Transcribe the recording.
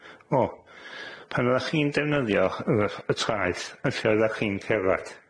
O, pan fyddach chi'n defnyddio yr y y traeth, yn lle fyddach chi'n cerddad?